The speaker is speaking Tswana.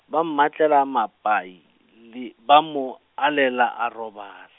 ba mmatlela mapai, le, ba mo, alela a robal-.